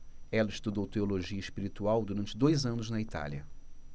ela estudou teologia espiritual durante dois anos na itália